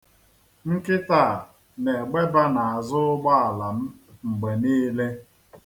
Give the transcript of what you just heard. Nkịta a na-egbeba n'azụ ụgbọala m mgbe niile.